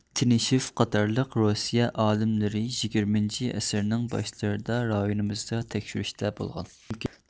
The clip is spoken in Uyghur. تىنىشېف قاتارلىق روسىيە ئالىملىرى يىگىرمىنچى ئەسىرنىڭ باشلىرىدا رايونىمىزدا تەكشۈرۈشتە بولغان